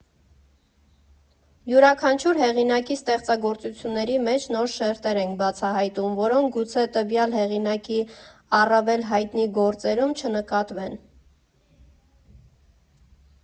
Յուրաքանչյուր հեղինակի ստեղծագործությունների մեջ նոր շերտեր ենք բացահայտում, որոնք գուցե տվյալ հեղինակի առավել հայտնի գործերում չնկատվեն։